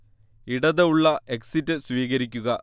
ഇടത് ഉള്ള എക്സിറ്റ് സ്വീകരിക്കുക